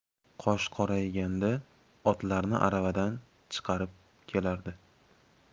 qosh qorayganda otlarni aravadan chiqarib kelardi